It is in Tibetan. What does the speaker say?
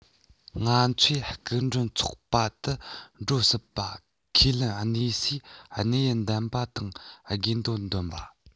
ང ཚོའི སྐུ མགྲོན ཚོགས པ དུ འགྲོ སྲིད པ ཁས ལེན གནས སའི གནས ཡུལ འདེམས པ དང དགེ བེད འདོན པ